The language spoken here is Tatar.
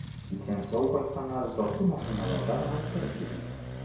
Исән-сау кайтканнар затлы машиналарда гына утырып йөри.